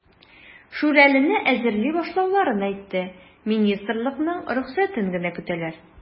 "шүрәле"не әзерли башлауларын әйтте, министрлыкның рөхсәтен генә көтәләр.